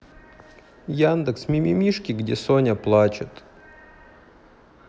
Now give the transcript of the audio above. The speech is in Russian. яндекс мимимишки где соня плачет